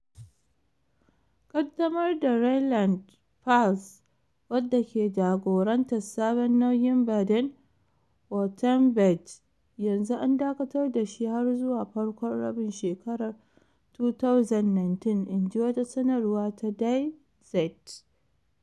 Kadamar da Rheinland-Pfalz, wadda ke jagorantar sabon nauyin Baden-Wuerttemberg, yanzu an dakatar da shi har zuwa farkon rabin shekarar 2019, in ji wata sanarwa ta Die Zeit.